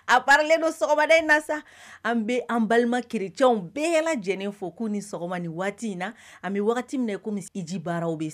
A parilen don sɔgɔmada in na sa, an bɛ an balima chrétiens bɛɛ lajɛlen fo k'u ni sɔgɔma nin waati in na, an bɛ wagati min na komi hiji baaraw bɛ